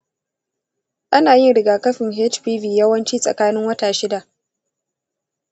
ana yin rigakafin hpv yawanci tsakanin wata shida.